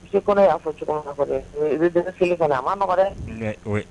Kɔnɔ y'a fɔ i bɛ denmisɛn kelen ka na a ma nɔgɔ dɛ